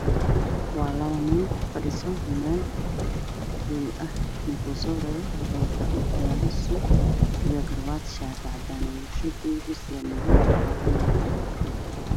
Meesha waxaa fadhiya niman sidu wata ay ku fadhiyaan waa kuraas jahli ah